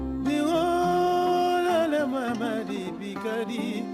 Nilalen ma bɛ di bi ka di